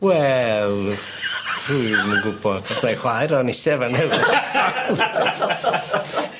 Wel. Dwi ddim yn gwbod. Mae chwaer o'n iste fan ''ne... .